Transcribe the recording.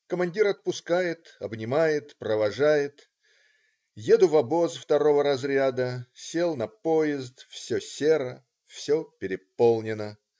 Командир отпускает, обнимает, провожает. Еду в обозе второго разряда. Сел на поезд. Все серо - все переполнено.